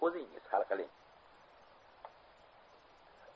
o'zingiz hal qiling